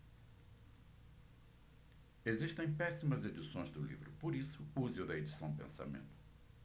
existem péssimas edições do livro por isso use o da edição pensamento